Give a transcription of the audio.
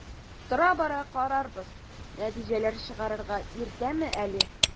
Тора-бара карарбыз, нәтиҗәләр чыгарырга иртәме әле?